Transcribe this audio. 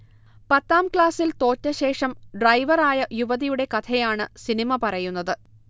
പത്താംക്ലാസിൽ തോറ്റശേഷം ഡ്രൈവറായ യുവതിയുടെ കഥയാണ് സിനിമ പറയുന്നത്